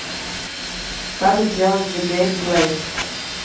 как сделать the gabe блейд